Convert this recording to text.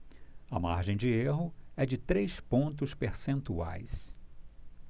a margem de erro é de três pontos percentuais